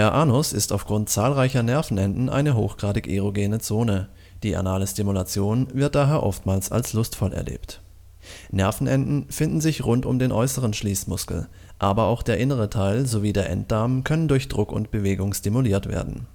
Anus ist aufgrund zahlreicher Nervenenden eine hochgradig erogene Zone, die anale Stimulation wird daher oftmals lustvoll erlebt. Nervenenden finden sich rund um den äußeren Schließmuskel, aber auch der innere Teil sowie der Enddarm können durch Druck und Bewegung stimuliert werden